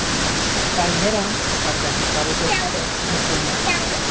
Տարիներ անց, սակայն, կարոտեցի ձեռքի հպումը։